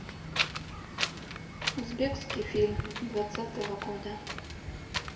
узбекский фильм двадцатого года